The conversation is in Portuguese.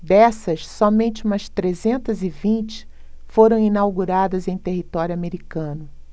dessas somente umas trezentas e vinte foram inauguradas em território americano